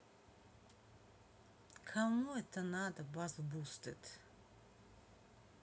кому это надо bassboosted